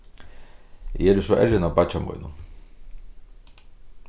eg eri so errin av beiggja mínum